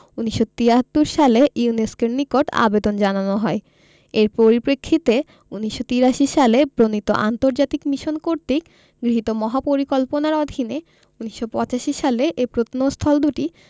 ১৯৭৩ সালে ইউনেস্কোর নিকট আবেদন জানানো হয় এর পরিপ্রেক্ষিতে ১৯৮৩ সালে প্রণীত আন্তর্জাতিক মিশন কর্তৃক গৃহীত মহাপরিকল্পনার অধীনে ১৯৮৫ সালে এ প্রত্নস্থল দুটি